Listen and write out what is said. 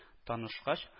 Танышкач